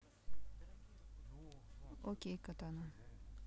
окей катана